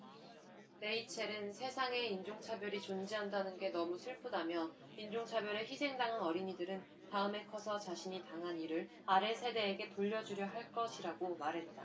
레이첼은 세상에 인종차별이 존재한다는 게 너무 슬프다며 인종차별에 희생당한 어린이들은 다음에 커서 자신이 당한 일을 아래 세대에게 돌려주려 할 것이라고 말했다